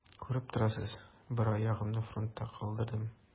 Күреп торасыз: бер аягымны фронтта калдырдым.